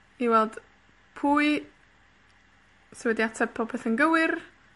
i weld pwy sy wedi ateb popeth yn gywir,